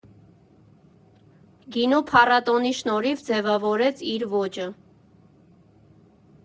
Գինու փառատոնի շնորհիվ ձևավորեց իր ոճը։